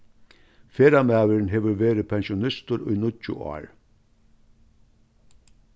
ferðamaðurin hevur verið pensjonistur í níggju ár